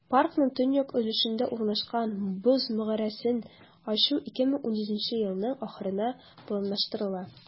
Паркның төньяк өлешендә урнашкан "Боз мәгарәсен" ачу 2017 елның ахырына планлаштырыла.